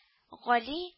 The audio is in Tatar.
Гали